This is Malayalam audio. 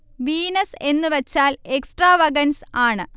വീനസ് എന്ന് വച്ചാൽ എക്സ്ട്രാ വഗൻസ് ആണ്